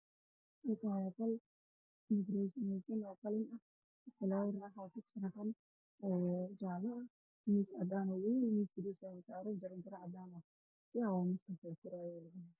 Meeshaan waa meesha lagu heeso waxaa yaalla daahman fara badan oo midabkoodu yahay caddaan